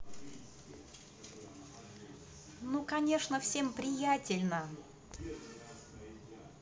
ну конечно всем приятельно